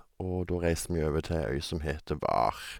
Og da reiste vi over til ei øy som heter Hvar.